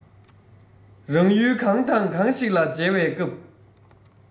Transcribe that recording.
རང ཡུལ གང དང གང ཞིག ལ འཇལ བའི སྐབས